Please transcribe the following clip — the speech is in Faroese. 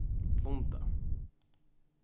blunda